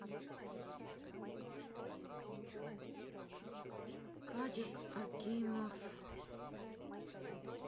кадик акимов